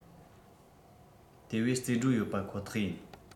དེ བས རྩིས འགྲོ ཡོད པ ཁོ ཐག ཡིན